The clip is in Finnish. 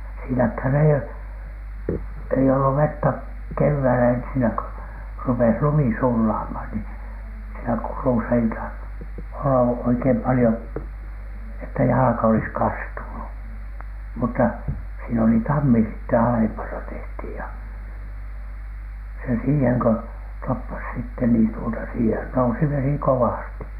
siinähän ei ei ollut vettä keväällä ensinnä kun rupesi lumi sulamaan niin siinä kurussa ei tainnut olla oikein paljon että jalka olisi kastunut mutta siinä oli tammi sitten alempana tehtiin ja se siihen kun toppasi sitten niin tuota siihen nousi vesi kovasti